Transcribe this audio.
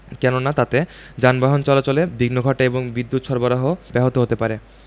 কেননা তাতে যানবাহন চলাচলে বিঘ্ন ঘটে এবং বিদ্যুত সরবরাহ ব্যাহত হতে পারে